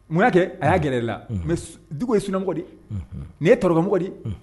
Munna'a kɛ a y'a gɛlɛɛrɛ la mɛ dugu ye sinamɔgɔ di nin ye tɔrɔmɔgɔ di